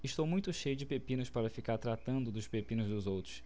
estou muito cheio de pepinos para ficar tratando dos pepinos dos outros